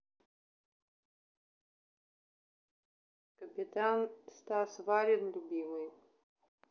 капитан стас варин любимый